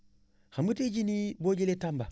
xam tey jii nii boo jëlee Tamba